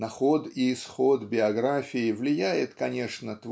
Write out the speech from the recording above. на ход и исход биографии влияет конечно